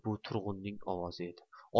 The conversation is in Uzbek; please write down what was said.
bu turg'unning ovozi edi